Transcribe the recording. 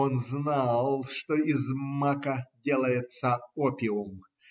Он знал, что из мака делается опиум